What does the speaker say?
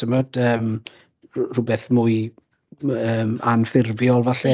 TImod ymm rw- rywbeth mwy m- yy anffurfiol falle.